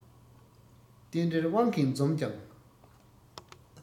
རྟེན འབྲེལ དབང གིས འཛོམས ཀྱང